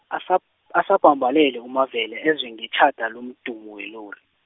asab- asabhambalele uMavela, ezwe ngetjhada lomdumo welori.